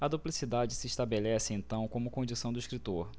a duplicidade se estabelece então como condição do escritor